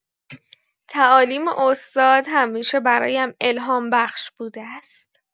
تعالیم استاد همیشه برایم الهام‌بخش بوده است.